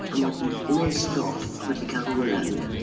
Am mod i 'di gwneud stroc a wedi cael hwyl arni.